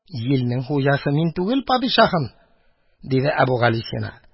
Җилнең хуҗасы мин түгел, падишаһым, – диде Әбүгалисина.